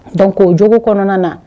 Don ko jo kɔnɔna na